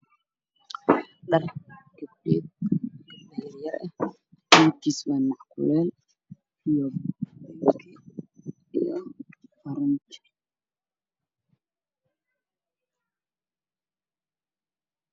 Meshaan waxaa saaran dhar mideb kiisu yahay madow iyo oranji